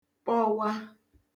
kpọwa